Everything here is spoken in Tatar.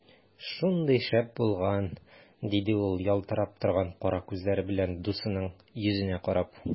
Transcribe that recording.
Шундый шәп булган! - диде ул ялтырап торган кара күзләре белән дусының йөзенә карап.